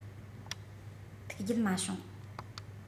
ཐུགས རྒྱལ མ བྱུང